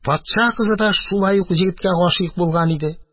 Патша кызы да шулай ук егеткә гашыйк булган иде.